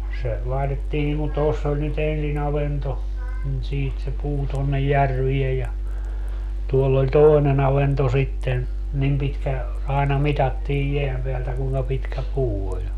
se laitettiin niin kuin tuossa oli nyt ensin avanto niin siitä se puu tuonne järveen ja tuolla oli toinen avanto sitten niin pitkä aina mitattiin jään päältä kuinka pitkä puu oli